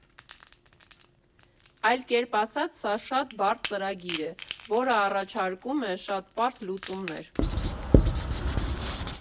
Այլ կերպ ասած՝ սա շատ բարդ ծրագիր է, որը առաջարկում է շատ պարզ լուծումներ։